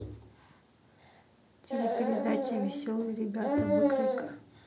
телепередача веселые ребята выкройка